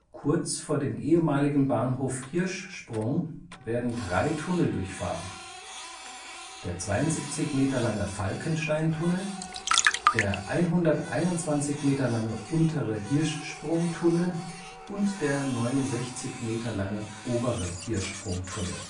Kurz vor dem ehemaligen Bahnhof Hirschsprung werden drei Tunnel durchfahren, der 72 Meter lange Falkenstein-Tunnel, der 121 Meter lange Untere Hirschsprung-Tunnel und der 69 Meter lange Obere Hirschsprung-Tunnel